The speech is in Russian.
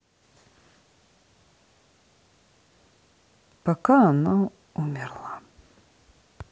пока она умерла